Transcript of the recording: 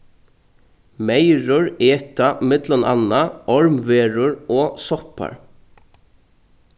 meyrur eta millum annað ormverur og soppar